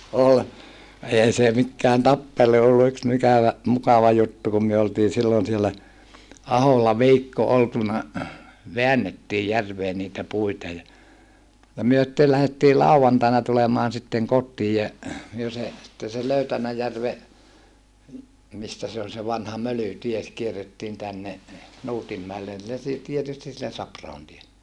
oli ei se mikään tappelu ollut yksi - mukava juttu kun me oltiin silloin siellä Aholla viikko oltu väännettiin järveen niitä puita ja ja me sitten lähdettiin lauantaina tulemaan sitten kotiin ja me se sitten se Löytänäjärven mistä se on vanha Mölytie kierrettiin tänne Nuutinmäelle sille - tietysti sille Sapra-ahon tielle